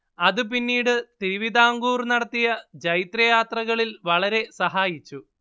അത് പിന്നീട് തിരുവിതാംകൂർ നടത്തിയ ജൈത്രയാത്രകളിൽ വളരെ സഹായിച്ചു